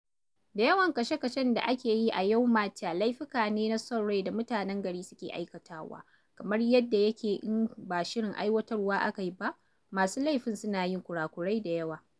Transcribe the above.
Da yawan kashe-kashen da ake yi a Yau Ma Tei laifuka ne na son rai da mutanen gari suke aikatawa, kuma kamar yadda yake in ba shirin aiwatarwa aka yi ba, masu laifin suna yin kurakurai da yawa.